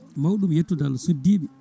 mawɗum yettude Allah cuddiɗo